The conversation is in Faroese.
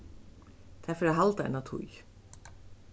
tað fer at halda eina tíð